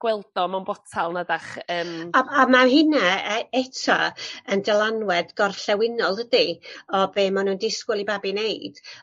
gweld o mown botal na 'dach yym... O- on' ma' hynna yy eto yn dylanwed gorllewinol dydi? o be' ma' nw'n disgwl i babi neud.